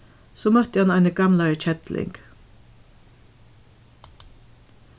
so møtti hann eini gamlari kelling